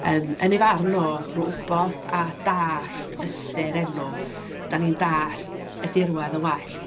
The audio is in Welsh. Yym yn ei farn o, drwy wybod a dallt ystyr enw, dan ni'n dallt y dirwedd yn well.